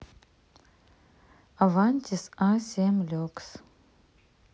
avantis а семь люкс